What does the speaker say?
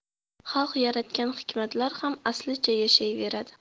xalq yaratgan hikmatlar ham aslicha yashayveradi